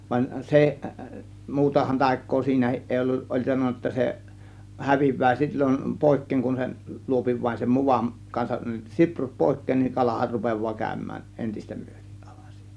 vaan se muutahan taikaa siinäkin ei ollut oli sanonut jotta se häviää silloin pois kun sen luo vain sen mudan kanssa siprut pois niin kalahan rupeaa käymään entistä myöten aivan siinä